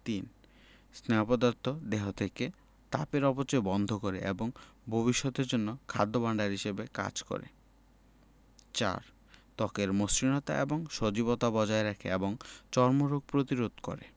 ৩. স্নেহ পদার্থ দেহ থেকে তাপের অপচয় বন্ধ করে এবং ভবিষ্যতের জন্য খাদ্য ভাণ্ডার হিসেবে কাজ করে ৪. ত্বকের মসৃণতা এবং সজীবতা বজায় রাখে এবং চর্মরোগ প্রতিরোধ করে